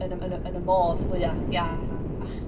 yn y yn y yn y modd fwya iach.